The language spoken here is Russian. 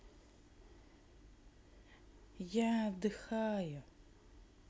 я отдыхаю